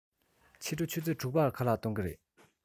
ཕྱི དྲོ ཆུ ཚོད དྲུག པར ཁ ལག གཏོང གི རེད